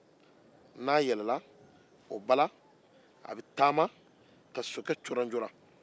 n'a ye sokɛ curancuran a bɛ marifa min ta o ye numu ka dilali ye